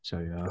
Joio.